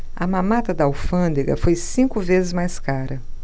a mamata da alfândega foi cinco vezes mais cara